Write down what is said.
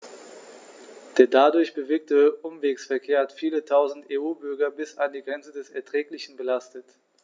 Der dadurch bewirkte Umwegsverkehr hat viele Tausend EU-Bürger bis an die Grenze des Erträglichen belastet.